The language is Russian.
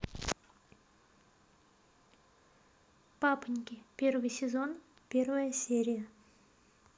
папаньки первый сезон первая серия